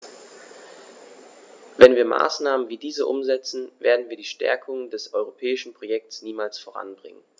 Wenn wir Maßnahmen wie diese umsetzen, werden wir die Stärkung des europäischen Projekts niemals voranbringen.